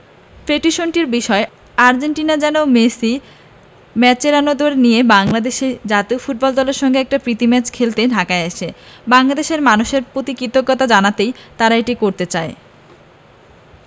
পিটিশনটির বিষয় আর্জেন্টিনা যেন মেসি মাচেরানোদের নিয়ে বাংলাদেশ জাতীয় ফুটবল দলের সঙ্গে একটা প্রীতি ম্যাচ খেলতে ঢাকায় আসে বাংলাদেশের মানুষের প্রতি কৃতজ্ঞতা জানাতেই তারা এটি করতে চায়